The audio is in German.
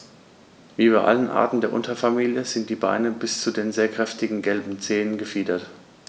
Wie bei allen Arten der Unterfamilie sind die Beine bis zu den sehr kräftigen gelben Zehen befiedert.